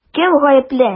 Кем гаепле?